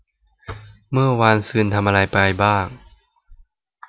เมื่อวานซืนทำอะไรไปบ้าง